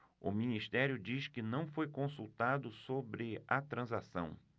o ministério diz que não foi consultado sobre a transação